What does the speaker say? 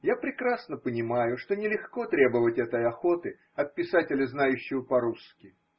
Я прекрасно понимаю, что нелегко требовать этой охоты от писателя, знающего по-русски.